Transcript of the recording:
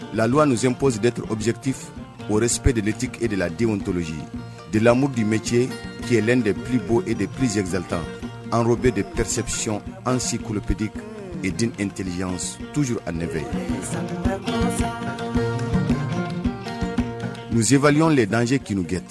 Lalu sɛn posi deturbisɛeti op de deti e de ladenw tosi de lamu dimeti kɛlɛlɛn de p bɔ e de pzevzv tan anro bɛ de perepsiy an sikulupte ed nt teliya tuyur ani ne fɛ nevliy de ye dan kin kɛ